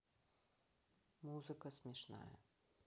музыка смешная